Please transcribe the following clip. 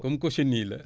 comme cochenille la